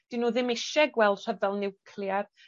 'dyn nw ddim isie gweld rhyfel niwclear,